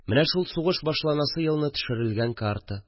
Менә сугыш башланасы елны төшерелгән карта